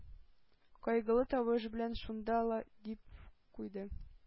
Кайгылы тавыш белән: шунда ла...- дип куйды.